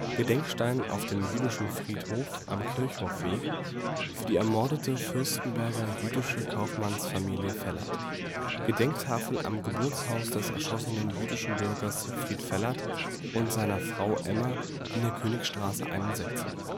Gedenkstein auf dem Jüdischen Friedhof am Kirchhofweg für die ermordete Fürstenberger jüdische Kaufmannsfamilie Fellert Gedenktafel am Geburtshaus des erschossenen jüdischen Bürgers Siegfried Fellert und seiner Frau Emma in der Königstraße 61